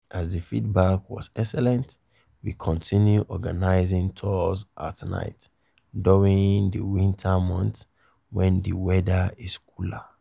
As the feedback was excellent, we continued organizing tours at night during the winter months when the weather is cooler.